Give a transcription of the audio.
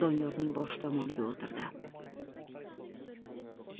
doniyorning bosh tomoniga o'tirdi